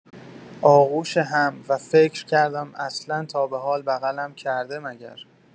آغوش هم و فکر کردم اصلا تا به‌حال بغلم کرده مگر؟